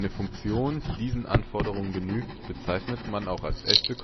Funktion, die diesen Anforderungen genügt, bezeichnet man auch als echte